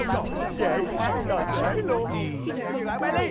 trời ơi dễ quá trời dễ luôn tín hiệu dừng lại be li